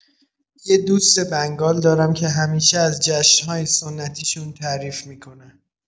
یه دوست بنگال دارم که همیشه از جشن‌های سنتیشون تعریف می‌کنه.